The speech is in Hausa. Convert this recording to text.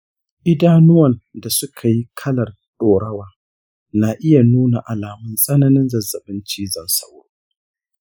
idanuwan da suka yi kalar ɗorawa na iya nuna alamun tsananin zazzabin cizon sauro.